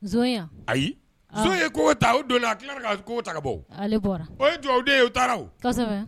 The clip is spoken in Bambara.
Nso in wa? Ayyi , nson ye kogo ta, o donna, a tilala ka kogoa ta ka bɔ, o ye dugawuden y’o. O taara wo, ko sɛbɛ.